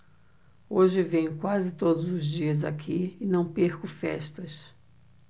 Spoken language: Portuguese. hoje venho quase todos os dias aqui e não perco festas